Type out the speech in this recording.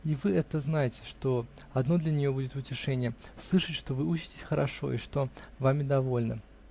И вы это знайте, что одно для нее будет утешение -- слышать, что вы учитесь хорошо и что вами довольны.